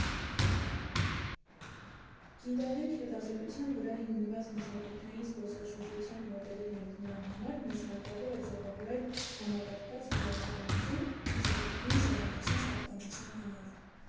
Գիտահենք հետազոտության վրա հիմնված մշակութային զբոսաշրջության մոդելի ներդրման համար մեզ հարկավոր է ձևավորել համակարգված քաղաքականություն՝ մշակութային ժառանգության պահպանության համար։